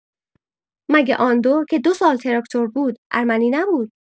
مگه آندو که ۲ سال تراکتور بود ارمنی نبود؟